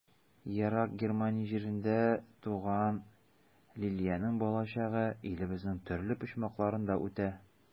Ерак Германия җирендә туган Лилиянең балачагы илебезнең төрле почмакларында үтә.